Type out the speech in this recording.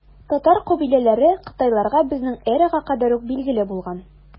Татар кабиләләре кытайларга безнең эрага кадәр үк билгеле булган.